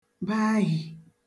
bahì